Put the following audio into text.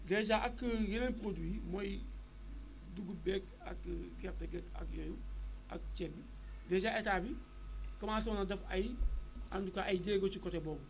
dèjà ak yeneen produits yi mooy dugub beeg ak gerte gi ak yooyu ak ceeb bi dèjà état bi commencé woon na def ay en tout cas ay jéego ci côté boobu